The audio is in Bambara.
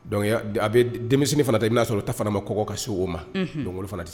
Don a bɛ denmisɛnnin fana ta i n'a sɔrɔ ta fana ma kɔɔgɔ ka segu o ma dɔnkili fana tɛ